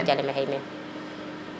jega nga calel maxey meen